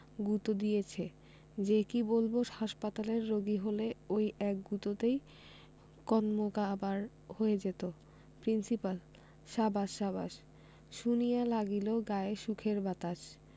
গুঁতো দিয়েছে যে কি বলব হাসপাতালের রোগী হলে ঐ এক গুঁতোতেই কন্মকাবার হয়ে যেত প্রিন্সিপাল সাবাস সাবাস শুনিয়া লাগিল গায়ে সুখের বাতাস